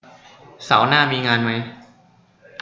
เสาร์หน้ามีงานมั้ย